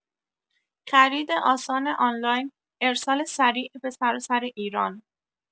خرید آسان آنلاین ارسال سریع به سراسر ایران